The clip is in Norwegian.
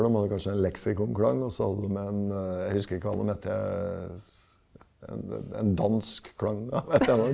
dem hadde kanskje en leksikonklang også hadde dem en jeg husker ikke hva dem heter en en dansk klang .